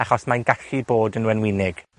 achos mae'n gallu bod yn wenwynig.